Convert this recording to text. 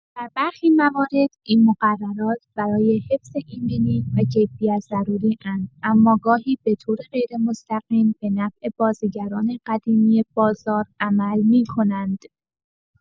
در برخی موارد، این مقررات برای حفظ ایمنی و کیفیت ضروری‌اند، اما گاهی به‌طور غیرمستقیم به نفع بازیگران قدیمی بازار عمل می‌کنند.